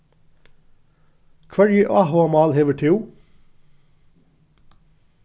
hvørji áhugamál hevur tú